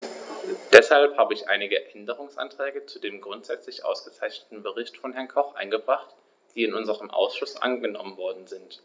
Deshalb habe ich einige Änderungsanträge zu dem grundsätzlich ausgezeichneten Bericht von Herrn Koch eingebracht, die in unserem Ausschuss angenommen worden sind.